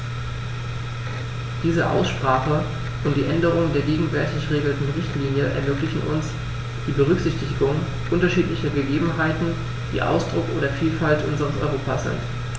Diese Aussprache und die Änderung der gegenwärtig geltenden Richtlinie ermöglichen uns die Berücksichtigung unterschiedlicher Gegebenheiten, die Ausdruck der Vielfalt unseres Europas sind.